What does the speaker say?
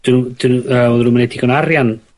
'dyn nw dyn nw fel o'n nw'm yn neud digon o arian